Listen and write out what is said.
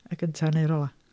Y gynta neu'r ola.